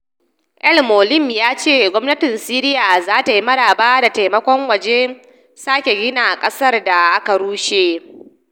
Al-Moualem ya ce gwamnatin Siriya za ta maraba da taimako wajen sake gina ƙasar da aka rushe.